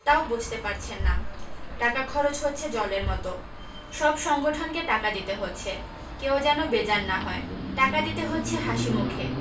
তাও বুঝতে পারছেন না টাকা খরচ হচ্ছে জলের মত সব সংগঠনকে টাকা দিতে হচ্ছে কেউ যেন বেজার না হয় টাকা দিতে হচ্ছে হাসিমুখে